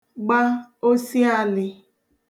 gba òsiālị